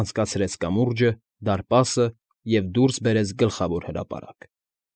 Անցկացրեց կամուրջը, դարպասը և դուրս բերեց գլխավոր հրապարակ։